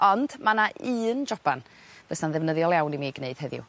Ond ma' 'na un joban fysa'n ddefnyddiol iawn i mi ei gneud heddiw.